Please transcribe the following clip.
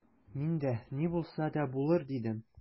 Мин дә: «Ни булса да булыр»,— дидем.